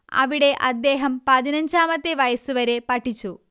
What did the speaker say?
അവിടെ അദ്ദേഹം പതിനഞ്ചാമത്തെ വയസ്സുവരെ പഠിച്ചു